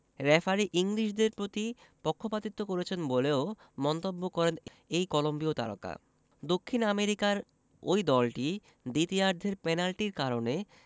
referee ইংলিশদের প্রতি পক্ষিপাতিত্ব করেছেন বলেও মন্তব্য করেন এই কলম্বিয় তারকা দক্ষিণ আমেরিকার ওই দলটি দ্বিতীয়ার্ধের পেনাল্টির কারণে